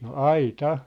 no aita